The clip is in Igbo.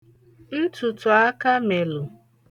ntụ̀tụ̀akamèlù